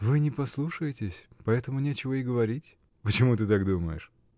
— Вы не послушаетесь, поэтому нечего и говорить! — Почему ты так думаешь?